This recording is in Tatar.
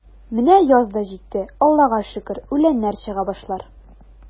Менә яз да житте, Аллага шөкер, үләннәр чыга башлар.